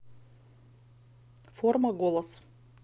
форма голос